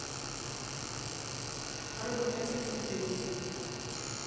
робототехника для детей